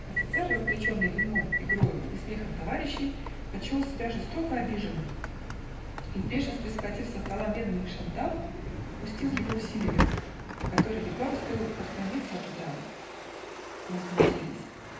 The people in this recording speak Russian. Офицер, разгоряченный вином, игрою и смехом товарищей, почел себя жестоко обиженным и, в бешенстве схватив со стола медный шандал, пустил его в Сильвио, который едва успел отклониться от удара. Мы смутились.